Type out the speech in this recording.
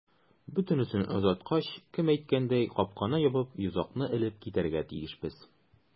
Бөтенесен озаткач, кем әйткәндәй, капканы ябып, йозакны элеп китәргә тиешбез.